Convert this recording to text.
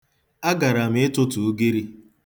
Agara m ịtụtụ ugiri.